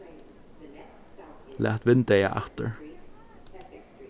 lat vindeygað aftur